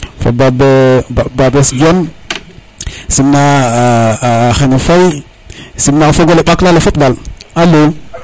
fo baab babes Dione sim na a xene faye sim na fogole ɓaak lalo fop dal alo